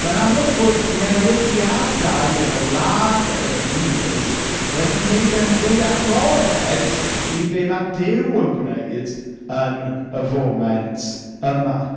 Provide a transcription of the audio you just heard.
Mae'n amlwg fod newidiadau yn y wlad ac yn y byd wedi wneud e’n fwy agored i be mae Duw yn gwneud yn y foment yma.